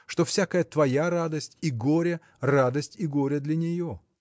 что всякая твоя радость и горе – радость и горе для нее.